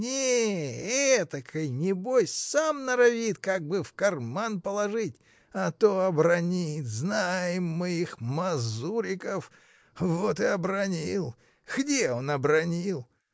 нет: этакой небось сам норовит как бы в карман положить! а то обронит! знаем мы их, мазуриков! вот и обронил! где он обронил?